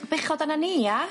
O bechod arna ni ia?